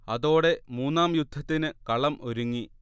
അതോടെ മൂന്നാം യുദ്ധത്തിന് കളം ഒരുങ്ങി